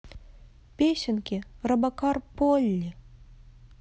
песенки робокар полли